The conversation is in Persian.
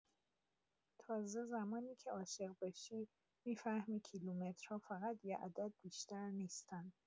تازه زمانی که عاشق بشی می‌فهمی کیلومترها فقط یه عدد بیشتر نیستن!